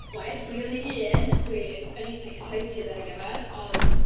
Oes, mae genna ni un dwi yn eitha excited ar ei gyfer, ond...